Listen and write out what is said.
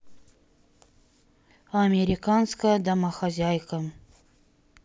американская домохозяйка